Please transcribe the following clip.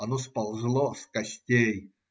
Оно сползло с костей.